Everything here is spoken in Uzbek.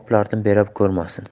qoplarni bera ko'rmasin